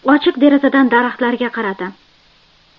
ochiq derazadan daraxtlarga qaradim